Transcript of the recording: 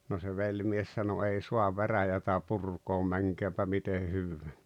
no se velimies sanoi ei saa veräjää purkaa menköönpä miten hyvänsä